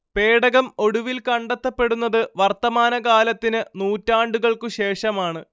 പേടകം ഒടുവിൽ കണ്ടെത്തപ്പെടുന്നത് വർത്തമാനകാലത്തിന് നൂറ്റാണ്ടുകൾക്ക് ശേഷമാണ്